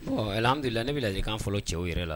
Ɔ alhamidu lillahi ne bɛ ladilkan fɔlɔ cɛw yɛrɛ la